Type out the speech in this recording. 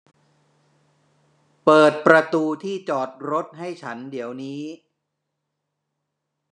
เปิดประตูที่จอดรถให้ฉันเดี๋ยวนี้